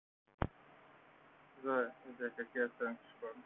зоя у тебя какие оценки в школе